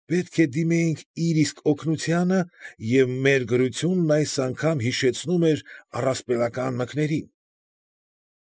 Պետք է դիմեինք իր իսկ օգնությանը, և մեր դրությունն այս անգամ հիշեցնում էր առասպելական մկներին։